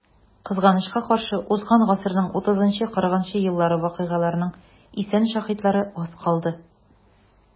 Кызганычка каршы, узган гасырның 30-40 еллары вакыйгаларының исән шаһитлары аз калды.